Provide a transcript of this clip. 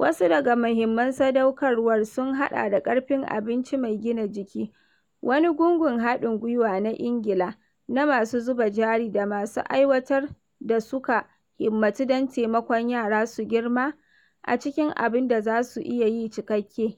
Wasu daga muhimman sadaukarwar sun haɗa da Ƙarfin Abinci Mai Gina Jiki, wani gungun haɗin gwiwa na Ingila na masu zuba jari da masu aiwatar da suka himmatu don "taimakon yara su girma a cikin abin da za su iya yi cikekke,"